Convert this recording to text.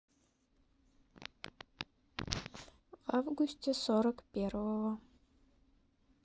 в августе сорок первого